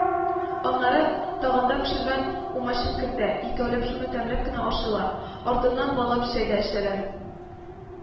Аннары таганда пешергән умачын кертә, икәүләп шуны тәмләп кенә ашыйлар, артыннан баллап чәй дә эчәләр